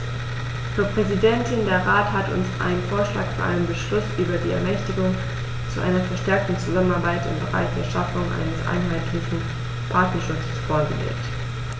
Frau Präsidentin, der Rat hat uns einen Vorschlag für einen Beschluss über die Ermächtigung zu einer verstärkten Zusammenarbeit im Bereich der Schaffung eines einheitlichen Patentschutzes vorgelegt.